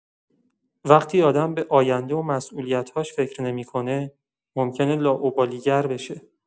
وقتی آدم به آینده و مسئولیت‌هاش فکر نمی‌کنه، ممکنه لاابالی‌گر بشه.